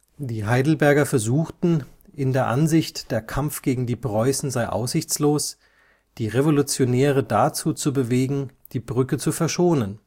Die Heidelberger versuchten, in der Ansicht, der Kampf gegen die Preußen sei aussichtslos, die Revolutionäre dazu zu bewegen, die Brücke zu verschonen